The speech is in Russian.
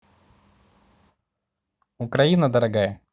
украина дорогая